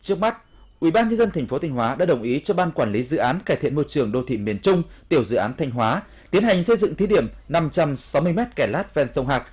trước mắt ủy ban nhân dân thành phố thanh hóa đã đồng ý cho ban quản lý dự án cải thiện môi trường đô thị miền trung tiểu dự án thanh hóa tiến hành xây dựng thí điểm năm trăm sáu mươi mét kè lát ven sông hạc